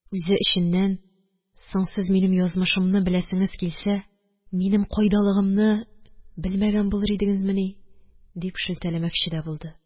Үзе эченнән: «Соң, сез минем язмышымны беләсеңез килсә, минем кайдалыгымны белмәгән булыр идеңезмени?» – дип шелтәләмәкче дә булды